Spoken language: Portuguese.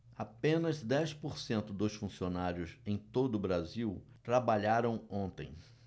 apenas dez por cento dos funcionários em todo brasil trabalharam ontem